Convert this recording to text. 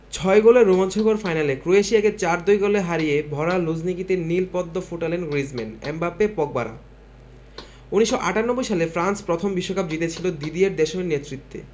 ছয় গোলের রোমাঞ্চকর ফাইনালে ক্রোয়েশিয়াকে ৪ ২ গোলে হারিয়ে ভরা লুঝনিকিতে নীল পদ্ম ফোটালেন গ্রিজমান এমবাপ্পে পগবারা ১৯৯৮ সালে ফ্রান্স প্রথম বিশ্বকাপ জিতেছিল দিদিয়ের দেশমের নেতৃত্বে